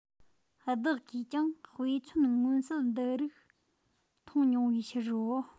བདག གིས ཀྱང དཔེ མཚོན མངོན གསལ འདི རིགས མཐོང མྱོང བའི ཕྱིར རོ